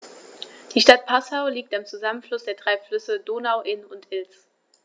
Die Stadt Passau liegt am Zusammenfluss der drei Flüsse Donau, Inn und Ilz.